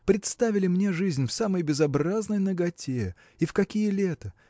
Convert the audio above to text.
представили мне жизнь в самой безобразной наготе, и в какие лета?